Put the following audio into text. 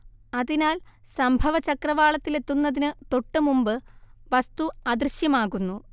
അതിനാൽ സംഭവചക്രവാളത്തിലെത്തുന്നതിന് തൊട്ടുമുമ്പ് വസ്തു അദൃശ്യമാകുന്നു